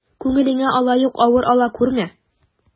Күңелеңә алай ук авыр ала күрмә.